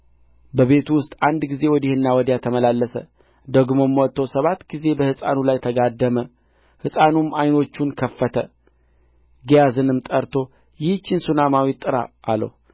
ገብቶም በሩን ከሁለቱ በኋላ ዘጋ ወደ እግዚአብሔርም ጸለየ መጥቶም በሕፃኑ ላይ ተኛ አፉንም በአፉ ዓይኑንም በዓይኑ እጁንም በእጁ ላይ አድርጎ ተጋደመበት የሕፃኑም ገላ ሞቀ ተመልሶም